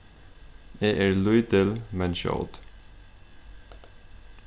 eg eri lítil men skjót